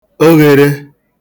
oghērē